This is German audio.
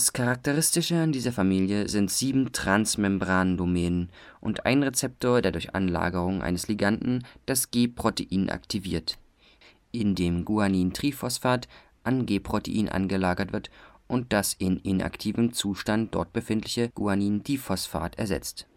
Charakteristische an dieser Familie sind sieben Transmembrandomänen und ein Rezeptor, der durch Anlagerung eines Liganden das G-Protein aktiviert (indem GTP an G-Protein angelagert wird und das in inaktivem Zustand dort befindliche GDP ersetzt